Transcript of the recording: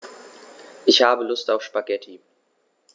Ich habe Lust auf Spaghetti.